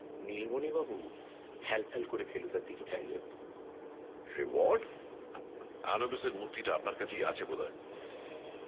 নীলমণিবাবু ফ্যাল ফ্যাল করে ফেলুদার দিকে চাইলেন রিওয়ার্ড আনুবিসের মূর্তিটা আপনার কাছেই আছে বোধহয়